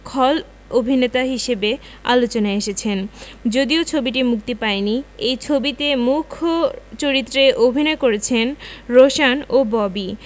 খল অভিননেতা হিসেবে আলোচনায় এসেছেন যদিও ছবিটি মুক্তি পায়নি এই ছবিতে মূখ চরিত্রে অভিনয় করছেন রোশান ও ববি